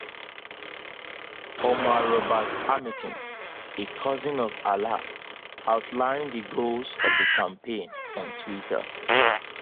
Omar Robert Hamilton, a cousin of Alaa, outlined the goals of the campaign on Twitter: